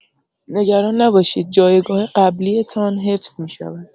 نگران نباشید جایگاه قبلی‌تان حفظ می‌شود.